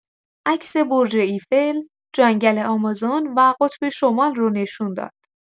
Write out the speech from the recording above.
عکس برج ایفل، جنگل آمازون و قطب شمال رو نشون داد.